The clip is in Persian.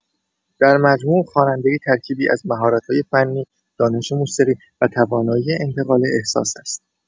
در مجموع، خوانندگی ترکیبی از مهارت‌های فنی، دانش موسیقی و توانایی انتقال احساس است.